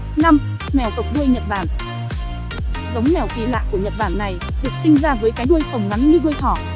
mèo cộc đuôi nhật bản giống mèo kỳ lạ của nhật bản này được sinh ra với cái đuôi phồng ngắn như đuôi thỏ